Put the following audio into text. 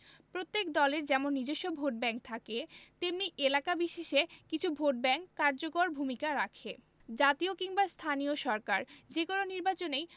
প্রত্যেক দলের যেমন নিজস্ব ভোটব্যাংক থাকে তেমনি এলাকা বিশেষে কিছু ভোটব্যাংক কার্যকর ভূমিকা রাখে জাতীয় কিংবা স্থানীয় সরকার যেকোনো নির্বাচনেই